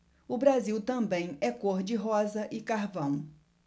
o brasil também é cor de rosa e carvão